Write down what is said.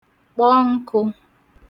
kpọ nkụ̄